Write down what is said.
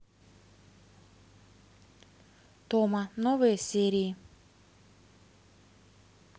тома новые серии